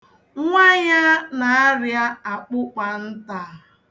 Nwa ya na-arịa akpụkpanta.